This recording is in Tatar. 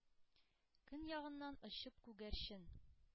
Көньягыннан очып күгәрчен